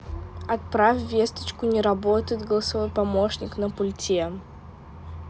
отправь весточку не работает голосовой помощник на пульте